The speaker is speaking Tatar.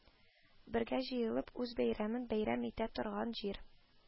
Бергә җыелып, үз бәйрәмен бәйрәм итә торган җир